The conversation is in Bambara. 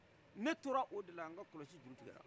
ne tola o de la n ka kɔlɔsi juru tigɛla